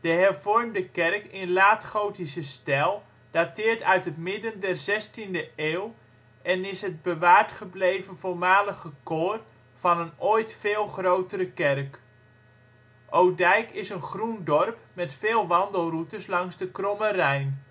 hervormde kerk in laat-gotische stijl dateert uit het midden der 16e eeuw en is het bewaard gebleven voormalige koor van een ooit veel grotere kerk. Odijk is een groen dorp met veel wandelroutes langs de Kromme Rijn